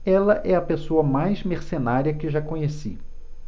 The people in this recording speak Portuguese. ela é a pessoa mais mercenária que já conheci